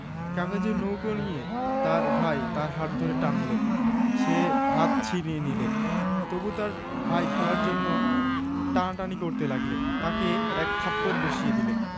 কোন আলীজান ব্যাপারী সেই যে অনেক রাতে পাম্পসুর খট খট শব্দ মাহুতটুলির গলি পেরুতেন তিনি সাবান আর তামাকের মস্ত দোকান ছিল যার হ্যাঁ সেই আলীজান ব্যাপারীর হাতেই